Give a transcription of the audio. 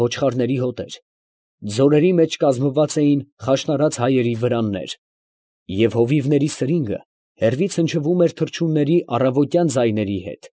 Ոչխարների հոտեր, ձորերի մեջ կազմված էին խաշնարած հայերի վրաններ, և հովիվների սրինգը հեռվից հնչվում էր թռչունների առավոտյան ձայների հետ։